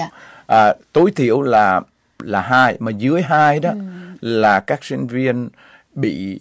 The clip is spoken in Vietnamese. à tối thiểu là là hai mà dưới hai đó là các sinh viên bị